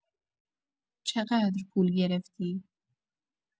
چقدر پول گرفتی